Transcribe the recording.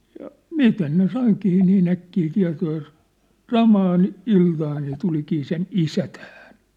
ja mistäs ne saikin niin äkkiä tietoa ja - samaan iltaan se tulikin sen isä tähän